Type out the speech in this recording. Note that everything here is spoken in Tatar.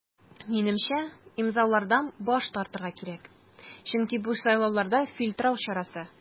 Минемчә, имзалардан баш тартырга кирәк, чөнки бу сайлауларда фильтрлау чарасы.